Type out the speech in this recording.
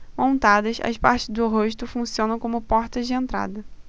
montadas as partes do rosto funcionam como portas de entrada